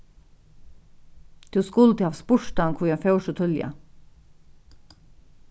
tú skuldi havt spurt hann hví hann fór so tíðliga